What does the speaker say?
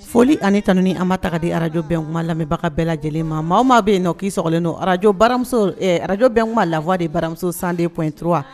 Foli ani tan ni an ma taga di arajbɛnkuma lamɛnbaga bɛɛ lajɛlen ma maa maa bɛ yen nɔ k'i sɔrɔ kelenlen don ararajo baramuso arajobɛnkuma lafa de baramuso san ptu wa